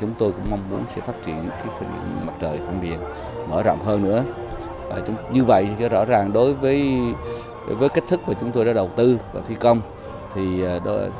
chúng tôi cũng mong muốn sự phát triển điện mặt trời phong điền mở rộng hơn nữa như vậy rõ ràng đối với đối với cách thức của chúng tôi đã đầu tư và thi công thì